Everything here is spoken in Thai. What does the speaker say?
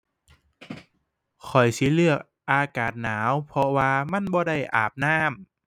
ข้อยสิเลือกอากาศหนาว เพราะว่ามันบ่ได้อาบน้ำ